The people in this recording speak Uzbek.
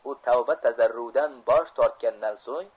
u tavba tazarrudan bosh tortgandan so'ng